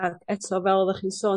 Ac eto fel oddech chi'n sôn...